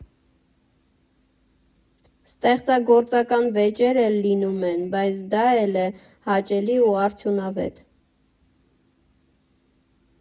Ստեղծագործական վեճեր էլ լինում են, բայց դա էլ է հաճելի ու արդյունավետ։